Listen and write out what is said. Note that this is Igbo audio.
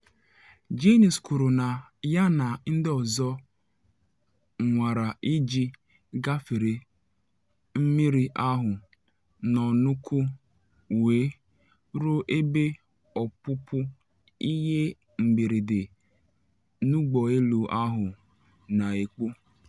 Jaynes kwuru na ya na ndị ọzọ nwara iji gafere mmiri ahụ nọ n’ukwu wee ruo ebe ọpụpụ ihe mberede n’ụgbọ elu ahụ na ekpu.